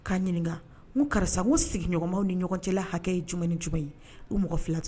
K'a ɲininka n karisa u sigiɲɔgɔnw ni ɲɔgɔn cɛla hakɛ ye jumɛn ni jumɛn ye u mɔgɔ fila tun